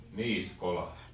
niisikola